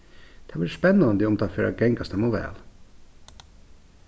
tað verður spennandi um tað fer at gangast teimum væl